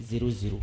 Zz